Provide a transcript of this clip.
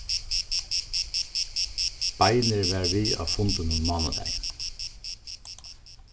beinir var við á fundinum mánadagin